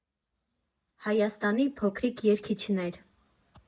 Հայաստանի փոքրիկ երգիչներ։